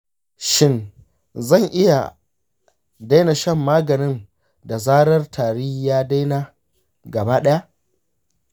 shin zan iya daina shan magani da zarar tari ya daina gaba ɗaya?